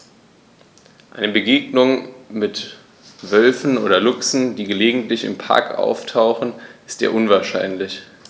Eine Begegnung mit Wölfen oder Luchsen, die gelegentlich im Park auftauchen, ist eher unwahrscheinlich.